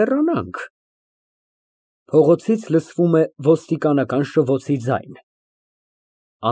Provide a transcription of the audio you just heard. Հեռանանք։ Փողոցից լսվում է ոստիկանական շվոցի ձայն։